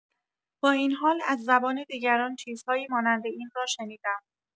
با این حال از زبان دیگران چیزهایی مانند این را شنیدم